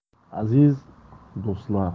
aziz do'stlar